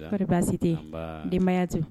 Ko baasi tɛ denbayaya to